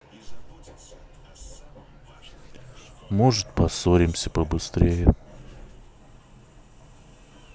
может поссоримся побыстрее